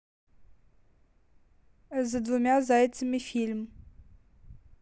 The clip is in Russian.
за двумя зайцами фильм